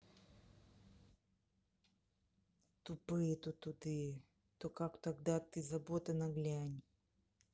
тупые тут туды то как тогда ты забота на глянь